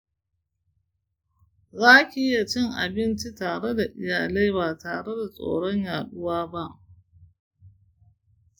zaki iya cin abinci tare da iyalai ba tare da tsoron yaɗawa ba.